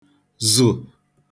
zụ̀